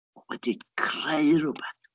Wedi creu rhywbeth.